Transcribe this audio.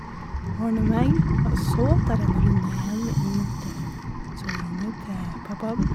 Ordner meg, og så tar jeg en runde igjen inn til soverommet til pappaen.